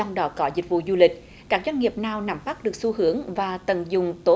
trong đó có dịch vụ du lịch các doanh nghiệp nào nắm bắt được xu hướng và tận dụng tốt